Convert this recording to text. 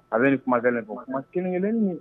A bɛ kuma kelen don ma kelen kelen